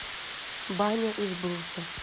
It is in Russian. баня из бруса